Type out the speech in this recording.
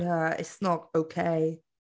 Yeah, it's not okay.